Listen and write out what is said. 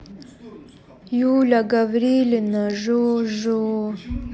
юля гаврилина жу жу